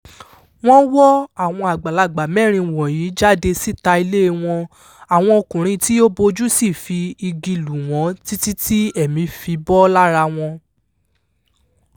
Wọ́n wọ́ àwọn àgbàlagbà mẹ́rin wọ̀nyí jáde síta ilée wọn, àwọn ọkùnrin tí ó bòjú sì fi igi lù wọ́n títí tí ẹ̀mí fi bọ́ lára wọn.